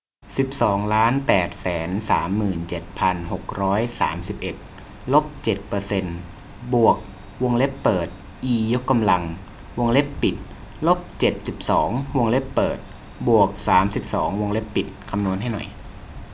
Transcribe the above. สิบสองล้านแปดแสนสามหมื่นเจ็ดพันหกร้อยสามสิบเอ็ดลบเจ็ดเปอร์เซนต์บวกวงเล็บเปิดอียกกำลังวงเล็บปิดลบเจ็ดสิบสองวงเล็บเปิดบวกสามสิบสองวงเล็บปิดคำนวณให้หน่อย